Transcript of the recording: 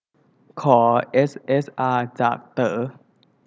ขอเอสเอสอาจากเต๋อ